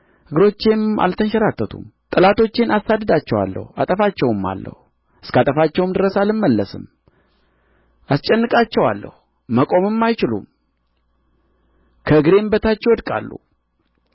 እግሮቼም አልተንሸራተቱም ጠላቶቼን አሳድዳቸዋለሁ አጠፋቸውማለሁ እስካጠፋቸውም ድረስ አልመለስም አስጨንቃቸዋለሁ መቆምም አይችሉም ከእግሬም በታች ይወድቃሉ